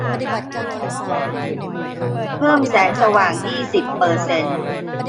เพิ่มแสงสว่างยี่สิบเปอร์เซ็น